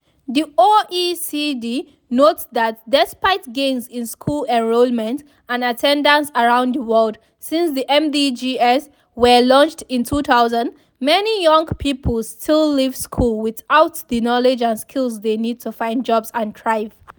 The OECD notes that despite gains in school enrollment and attendance around the world since the MDGs were launched in 2000, many young people still leave school without the knowledge and skills they need to find jobs and thrive.